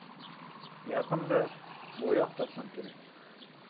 yaqinda bo'yoq topsam kerak